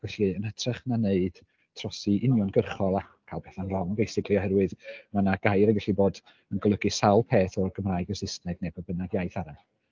Felly, yn hytrach 'na wneud trosi uniongyrchol a cael pethau'n rong basically oherwydd mae 'na gair yn gallu bod yn golygu sawl peth o'r Gymraeg i'r Saesneg neu be bynnag iaith arall.